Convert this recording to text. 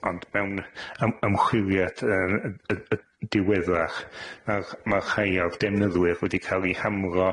Ond mewn ym- ymchwiliad yy y y diweddach, ma' ma' rhai o'r defnyddwyr wedi ca'l 'u hamro